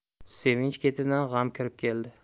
sevinch ketidan g'am kirib keldi